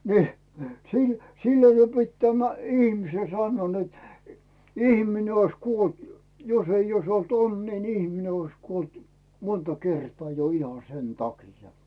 niin - sillä lailla se piti tämä ihmisen sanoa että ihminen olisi kuollut - jos ei olisi ollut onnea niin ihminen olisi kuollut monta kertaa jo ihan sen takia